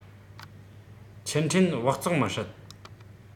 ཆུ ཕྲེན སྦགས བཙོག མི སྲིད